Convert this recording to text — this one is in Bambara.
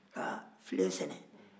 ka filen sɛnɛ